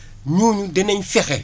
ñooñu danañ fexe